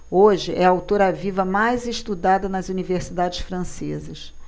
hoje é a autora viva mais estudada nas universidades francesas